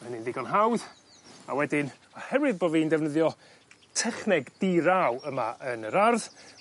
Ma' ynny'n digon hawdd, a wedyn oherwydd bo' fi'n defnyddio techneg di-raw yma yn yr ardd